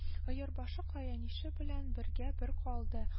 Өер башы каенише белән бергә-бер калды